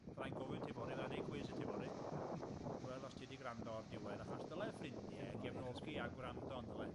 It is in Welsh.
fydda i'n gofyn ti fory, fydda i'n neud cwis i ti fory i weld os ti 'di gwrando o'r diwedd, achos dyle ffrindie gefnogi a gwrando, yndyle?